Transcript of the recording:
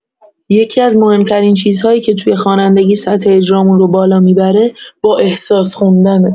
یکی‌از مهم‌ترین چیزهایی که توی خوانندگی سطح اجرامون رو بالا می‌بره، با احساس خوندنه.